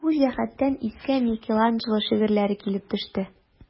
Бу җәһәттән искә Микеланджело шигырьләре килеп төште.